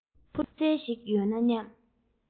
འཕུར རྩལ ཞིག ཡོད ན སྙམ